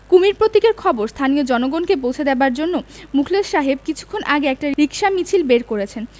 কুমীর প্রতীকের খবর স্থানীয় জনগণকে পৌঁছে দেবার জন্যে মুখলেস সাহেব কিছুক্ষণ আগে একটা রিকশা মিছিল বের করেছেন